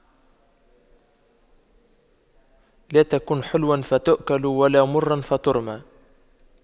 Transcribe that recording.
لا تكن حلواً فتؤكل ولا مراً فترمى